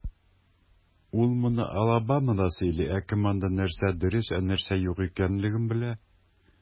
Ул моны Алабамада сөйли, ә кем анда, нәрсә дөрес, ә нәрсә юк икәнлеген белә?